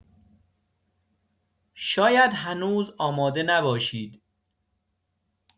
شاید هنوز آماده نباشید.